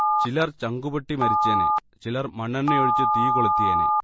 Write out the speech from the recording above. ചിലർ ചങ്കുപൊട്ടി മരിച്ചേനെ, ചിലർ മണ്ണെണ്ണയൊഴിച്ച് തീ കൊളുത്തിയേനെ